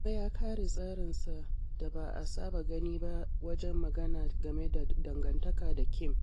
Kuma ya kare tsarinsa da ba a saba gani ba wajen magana game da dangantaka da Kim.